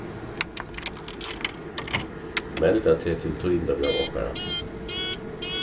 melda teg til tíðindabræv okkara